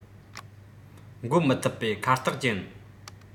འགོད མི ཐིབ པའི ཁ རྟགས ཅན